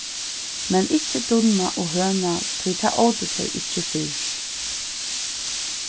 men ikki dunna og høna tí tað ótu tey ikki fyrr